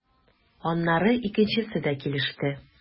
Аннары икенчесе дә килеште.